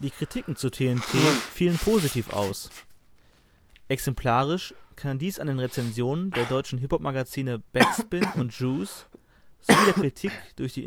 Kritiken zu TNT fielen positiv aus. Exemplarisch kann dies an den Rezensionen der deutschen Hip-Hop-Magazine Backspin und Juice sowie der Kritik durch